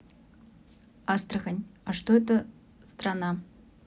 астрахань а что это страна